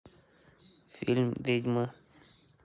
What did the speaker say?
фильм ведьмы